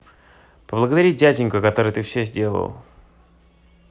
поблагодари дяденьку который ты все делал